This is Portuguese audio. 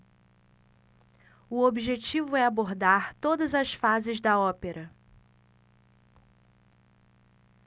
o objetivo é abordar todas as fases da ópera